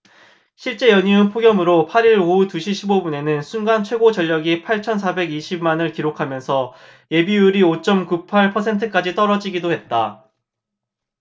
실제 연이은 폭염으로 팔 일 오후 두 시 십 오 분에는 순간 최고전력이 팔천 사백 이십 만 를 기록하면서 예비율이 오 쩜 구 팔 퍼센트까지 떨어지기도 했다